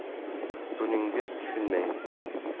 buningiz tushunmaydi